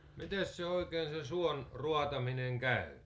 mitenkäs se oikein se suon raataminen käy